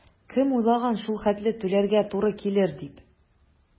Кем уйлаган шул хәтле түләргә туры килер дип?